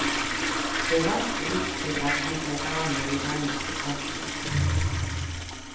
eg vænti ikki at hann fær damu í nærmastu framtíð